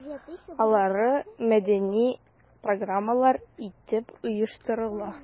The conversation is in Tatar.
Алары мәдәни программалар итеп оештырыла.